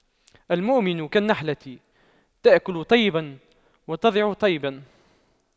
المؤمن كالنحلة تأكل طيبا وتضع طيبا